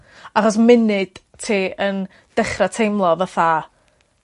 Achos munud ti yn dechre teimlo fatha